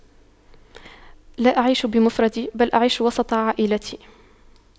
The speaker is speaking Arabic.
لا أعيش بمفردي بل أعيش وسط عائلتي